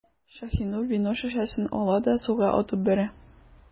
Шаһинур вино шешәсен ала да суга атып бәрә.